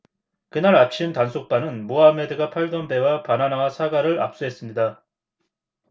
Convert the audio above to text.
그날 아침 단속반은 모하메드가 팔던 배와 바나나와 사과를 압수했습니다